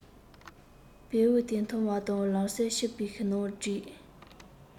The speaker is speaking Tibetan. བེའུ དེ མཐོང བ དང ལམ སེང ཕྱུ པའི ནང སྒྲིལ